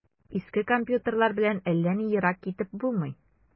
Иске компьютерлар белән әллә ни ерак китеп булмый.